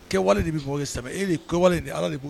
Kɛwale de bɛ saba e de kɛwale de ala de